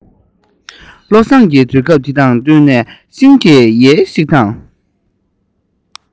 བསྟུན ནས ཤིང གི ཡལ ག ཞིག དང